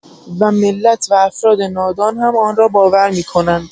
و ملت و افراد نادان هم آنرا باور می‌کنند.